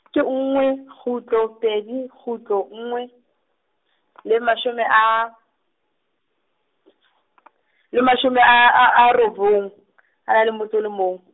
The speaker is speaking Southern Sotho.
ke nngwe kgutlo pedi, kgutlo nngwe, le mashome a, le mashome a, a robong a na le motso o mong.